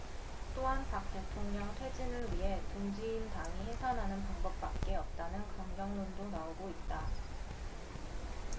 또한 박 대통령 퇴진을 위해 둥지인 당이 해산하는 방법밖에 없다는 강경론도 나오고 있다